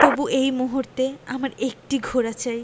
তবু এই মুহূর্তে আমার একটি ঘোড়া চাই